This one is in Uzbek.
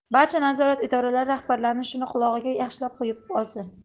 barcha nazorat idoralari rahbarlari shuni qulog'iga yaxshilab quyib olsin